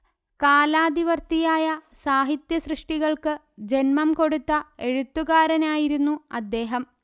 കാലാതിവർത്തിയായ സാഹിത്യ സൃഷ്ടികൾക്ക് ജന്മം കൊടുത്ത എഴുത്തുകാരനായിരുന്നു അദ്ദേഹം